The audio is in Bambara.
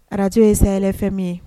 Arajo ye sayaylɛfɛn min ye